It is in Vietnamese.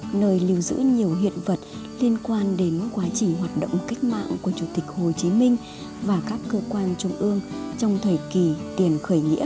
nơi lưu giữ nhiều hiện vật liên quan đến quá trình hoạt động cách mạng của chủ tịch hồ chí minh và các cơ quan trung ương trong thời kỳ tiền khởi nghĩa